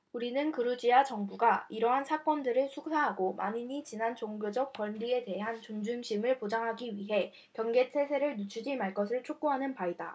우리는 그루지야 정부가 이러한 사건들을 수사하고 만인이 지닌 종교적 권리에 대한 존중심을 보장하기 위해 경계 태세를 늦추지 말 것을 촉구하는 바이다